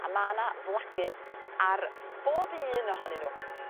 a ma' 'na flagur ar bob un ohonyn n'w.